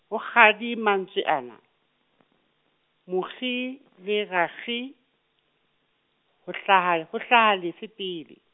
ho kgadi mantswe ana, mokgi le rakgadi, ho hlaha le ho hlaha lefe pele?